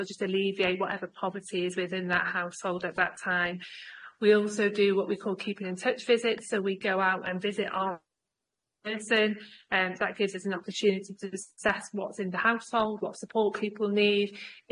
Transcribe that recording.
or just alleviate whatever poverty is within that household at that time we also do what we call keeping in touch visits so we go out and visit our person and that gives us an opportunity to assess what's in the household, what support people need,